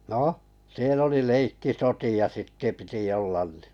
no siellä oli leikkisotia sitten piti olla niin